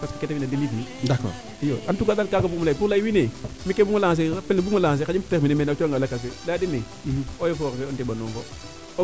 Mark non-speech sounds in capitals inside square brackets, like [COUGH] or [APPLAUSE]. parce que keete fina delis fi'u iyo en tout cas daal kaaga bug umo ley pour ley wiin we yee mi kee buguma lancer rek [UNINTELLIGIBLE] xaƴi im terminer mene o coox na lakas leya dene eaux et foret fee o ndeɓanongo